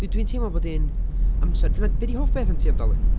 Dw- dwi'n teimlo bod hi'n amser d- b- be 'di hoff beth am ti am 'Dolig?